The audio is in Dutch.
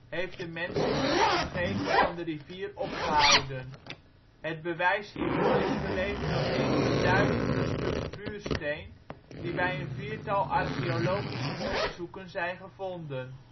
heeft de mens zich in de omgeving van de rivier opgehouden. Het bewijs hiervoor is geleverd door enkele duizenden stuks vuursteen die bij een viertal archeologische onderzoeken zijn gevonden